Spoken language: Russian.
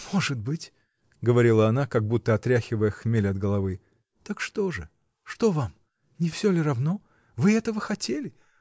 — Может быть, — говорила она, как будто отряхивая хмель от головы. — Так что же? что вам? не всё ли равно? вы этого хотели?